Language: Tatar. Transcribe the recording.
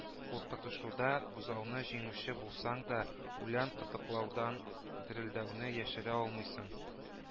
Куркытышуда бозауны җиңүче булсаң да, үлән кытыклаудан дерелдәүне яшерә алмыйсың)